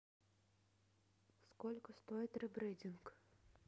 сколько стоит ребрендинг